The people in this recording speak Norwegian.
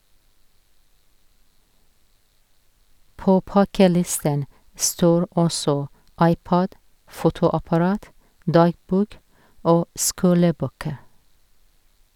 På pakkelisten står også iPod, fotoapparat, dagbok - og skolebøker.